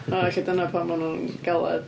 O ella dyna pam ma' nhw'n galed.